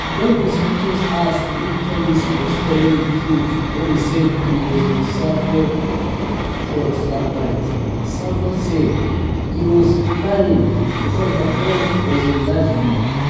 When prosecutors asked if Tellis was telling the truth when he said he was in Sanford's truck that night, Sanford said he was "lying, because my truck was in Nashville."